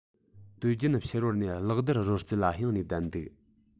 དུས རྒྱུན ཕྱི རོལ ནས གློག རྡུལ རོལ རྩེད ལ གཡེང ནས བསྡད འདུག